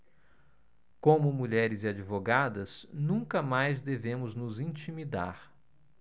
como mulheres e advogadas nunca mais devemos nos intimidar